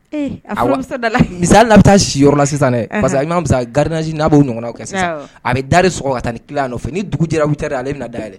La taa siyɔrɔ la sisan masa garir n'' ɲɔgɔn kɛ a bɛ dari sɔrɔ a taa ni ki nɔfɛ ni dugu jɛra ale bɛna da dɛ